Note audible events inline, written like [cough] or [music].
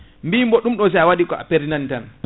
[breath] bimi bo ɗum ɗo sa waɗi ko a perdinate tan